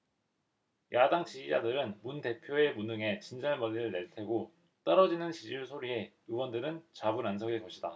야당 지지자들은 문 대표의 무능에 진절머리를 낼 테고 떨어지는 지지율 소리에 의원들은 좌불안석일 것이다